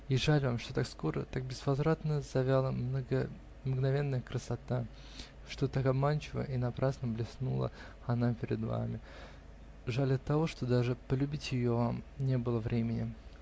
И жаль вам, что так скоро, так безвозвратно завяла мгновенная красота, что так обманчиво и напрасно блеснула она перед вами, -- жаль оттого, что даже полюбить ее вам не было времени.